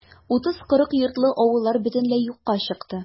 30-40 йортлы авыллар бөтенләй юкка чыкты.